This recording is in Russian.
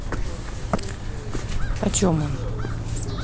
о чем он